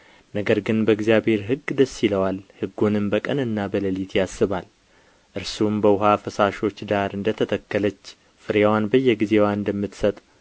ነገር ግን በእግዚአብሔር ሕግ ደስ ይለዋል ሕጉንም በቀንና በሌሊት ያስባል እርሱም በውኃ ፈሳሾች ዳር እንደ ተተከለች ፍሬዋን በየጊዜዋ እንደምትሰጥ